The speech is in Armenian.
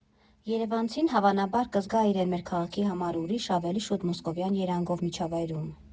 Երևանցին, հավանաբար, կզգա իրեն մեր քաղաքի համար ուրիշ՝ ավելի շուտ մոսկովյան երանգով միջավայրում։